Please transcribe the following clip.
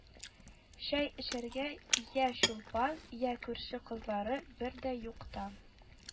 Чәй эчәргә йә чулпан, йә күрше кызлары, бер дә юкта